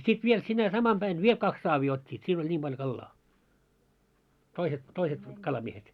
ja sitten vielä sinä samana päivänä vielä kaksi saavia ottivat siinä oli niin paljon kalaa toiset toiset kalamiehet